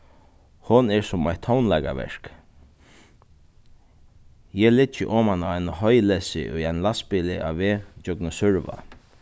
hon er sum eitt tónleikaverk eg liggi oman á einum hoylessi í einum lastbili á veg gjøgnum sørvág